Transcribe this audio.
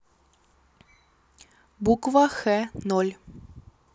буква x ноль